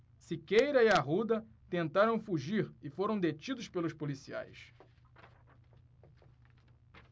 siqueira e arruda tentaram fugir e foram detidos pelos policiais